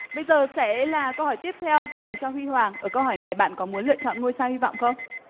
bây giờ sẽ là câu hỏi tiếp theo dành cho huy hoàng ở câu hỏi này bạn có muốn lựa chọn ngôi sao hy vọng không